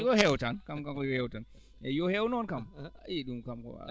yo heew tan kanko kam ko yo heew tan eeyi yo heew noon kam i ɗum kam ko